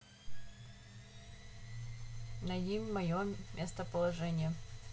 найди мое местоположение